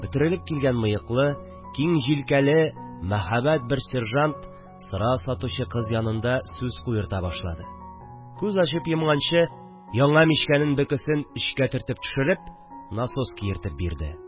Бөтерелеп килгән мыеклы, киң җилкәле мәһәбәт бер сержант сыра сатучы кыз янында сүз куерта башлады, күз ачып йомганчы яңа мичкәнең бөкесен эчкә төртеп төшереп, насос киертеп бирде